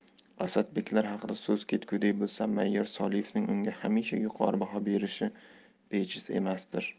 asadbeklar haqida so'z ketguday bo'lsa mayor solievning unga hamisha yuqori baho berishi bejiz emasdir